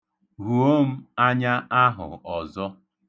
Huo m anya ahụ ọzọ.